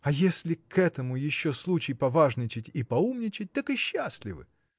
А если к этому еще случай поважничать и поумничать – так и счастливы.